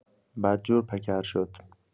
بدجور پکر شد.